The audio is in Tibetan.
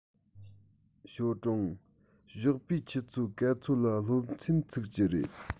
ཞའོ ཀྲུང ཞོགས པའི ཆུ ཚོད ག ཚོད ལ སློབ ཚན ཚུགས ཀྱི རེད